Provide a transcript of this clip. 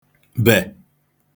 bè